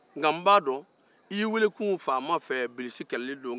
nka n ba dɔn i weelekun faama fɛ bilisi kɛlɛli don